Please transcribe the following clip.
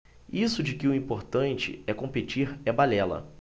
isso de que o importante é competir é balela